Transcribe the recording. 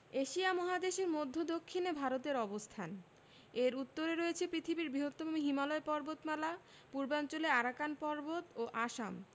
Asia মহাদেশের মদ্ধ্য দক্ষিনে ভারতের অবস্থানএর উত্তরে রয়েছে পৃথিবীর বৃহত্তম হিমালয় পর্বতমালা পূর্বাঞ্চলে আরাকান পর্বত ও আসাম